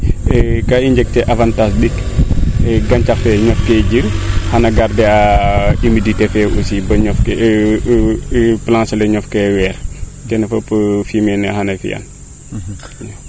kaa i njeg avantage ɗik gantax fee ñake jir xana garder a humidité fee boo ñof kee planche ale ñof kee weer den fop fumier ne xana fian